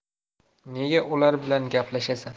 nega ular bilan gaplashasan